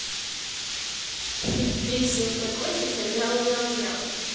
песня про котика мяу мяу